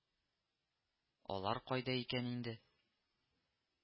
Алар кайда икән инде